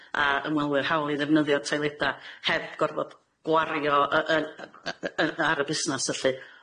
a ymwelwyr hawl i ddefnyddio'r toileda, heb gorfod gwario yy yn y- y- y- yy ar y busnas ylly.